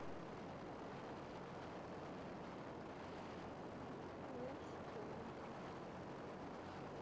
луз контрол